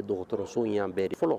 Dɔgɔtɔrɔso in yan bɛɛ de fɔlɔ